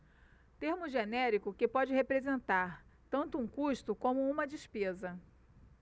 termo genérico que pode representar tanto um custo como uma despesa